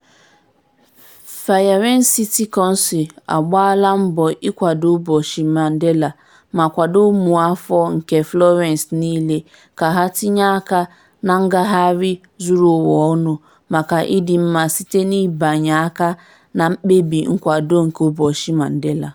Firenze City Council agbaala mbọ ịkwado Ụbọchị Mandela ma kwado ụmụafọ nke Florence niile ka ha tinye aka na ngagharị zuru ụwa ọnụ maka ịdị mma site n'ịbịanye aka na mkpebi nkwado nke Ụbọchị Mandela.